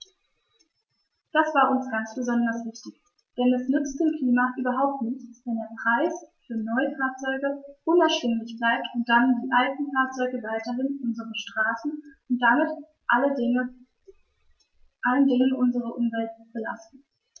Das war uns ganz besonders wichtig, denn es nützt dem Klima überhaupt nichts, wenn der Preis für Neufahrzeuge unerschwinglich bleibt und dann die alten Fahrzeuge weiterhin unsere Straßen und damit vor allen Dingen unsere Umwelt belasten.